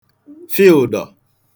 fị ụ̀dọ̀